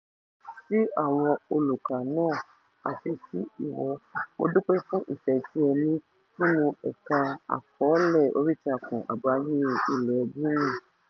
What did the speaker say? Sí àwọn olùkà náà àti sí ìwọ, mo dúpẹ́ fún ìfẹ́ tí ẹ ní nínú ẹ̀ka àkọọ́lẹ̀ oríìtakùn àgbáyé ilẹ̀ Guinea.